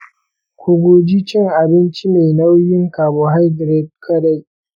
ku guji cin abinci mai nauyin carbohydrate kaɗai a lokacin buɗe azumi a ramadan.